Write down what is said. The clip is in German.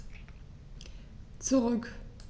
Zurück.